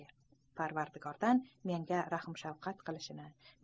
parvardigordan menga rahm shafqat qilishini